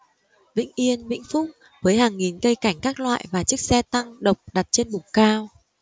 vĩnh yên vĩnh phúc với hàng nghìn cây cảnh các loại và chiếc xe tăng độc đặt trên bục cao